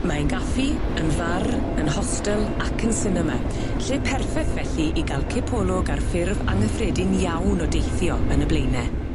Mae'n gaffi, yn far, yn hostel, ac yn sinema lle perffeth felly i ga'l cipolwg ar ffurf angyffredin iawn o deithio yn y Blaene.